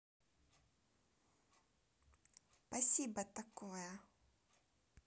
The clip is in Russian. спасибо такое